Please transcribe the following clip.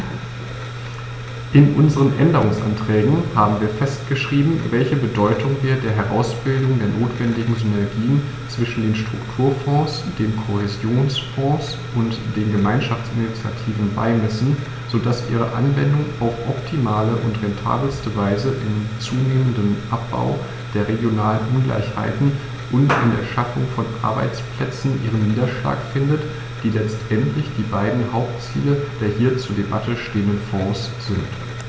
In unseren Änderungsanträgen haben wir festgeschrieben, welche Bedeutung wir der Herausbildung der notwendigen Synergien zwischen den Strukturfonds, dem Kohäsionsfonds und den Gemeinschaftsinitiativen beimessen, so dass ihre Anwendung auf optimale und rentabelste Weise im zunehmenden Abbau der regionalen Ungleichheiten und in der Schaffung von Arbeitsplätzen ihren Niederschlag findet, die letztendlich die beiden Hauptziele der hier zur Debatte stehenden Fonds sind.